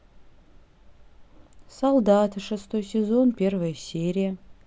солдаты шестой сезон первая серия